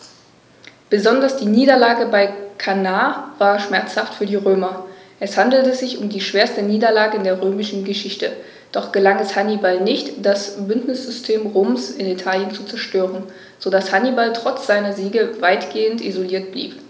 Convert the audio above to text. Besonders die Niederlage bei Cannae war schmerzhaft für die Römer: Es handelte sich um die schwerste Niederlage in der römischen Geschichte, doch gelang es Hannibal nicht, das Bündnissystem Roms in Italien zu zerstören, sodass Hannibal trotz seiner Siege weitgehend isoliert blieb.